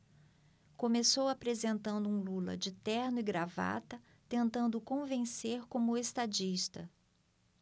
começou apresentando um lula de terno e gravata tentando convencer como estadista